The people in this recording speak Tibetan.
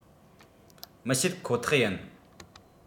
མི བཤད ཁོ ཐག ཡིན